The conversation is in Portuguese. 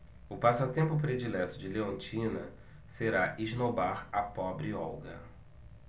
o passatempo predileto de leontina será esnobar a pobre olga